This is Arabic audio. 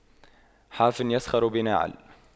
حافٍ يسخر بناعل